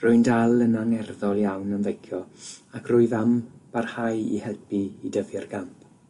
Rwy'n dal yn angerddol iawn am feicio ac rwyf am barhau i helpu i dyfu'r gamp.